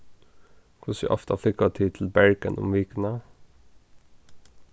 hvussu ofta flúgva tit til bergen um vikuna